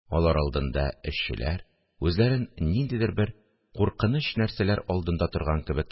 Алар алдында эшчеләр, үзләрен ниндидер бер куркыныч нәрсәләр алдында торган кебек